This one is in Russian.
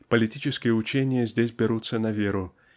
Политические учения здесь берутся на веру